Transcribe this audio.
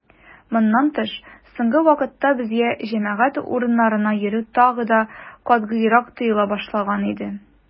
Моннан тыш, соңгы вакытта безгә җәмәгать урыннарына йөрү тагын да катгыйрак тыела башлаган иде.